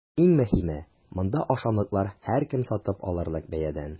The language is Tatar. Иң мөһиме – монда ашамлыклар һәркем сатып алырлык бәядән!